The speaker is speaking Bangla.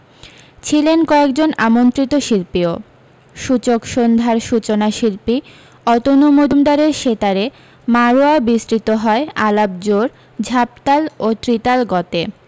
ছিলেন কয়েক জন আমন্ত্রিত শিল্পীও সূচক সন্ধ্যার সূচনা শিল্পী অতনু মজুমদারের সেতারে মাড়োয়া বিস্তৃত হয় আলাপ জোড় ঝাপতাল ও ত্রিতাল গতে